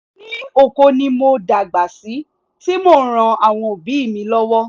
Ní oko ni mo dàgbà sí, tí mò ń ran àwọn òbí mi lọ́wọ́.